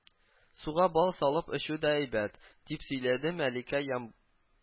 Суга бал салып эчү дә әйбәт”, дип сөйләде Мәликә Ям